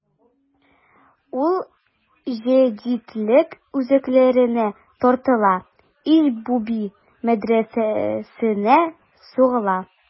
Ул җәдитлек үзәкләренә тартыла: Иж-буби мәдрәсәсенә сугыла.